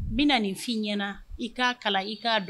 Bi na ninfin i ɲɛna i k'a kala i k'a dɔn